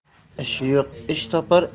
ishi yo'q ish topar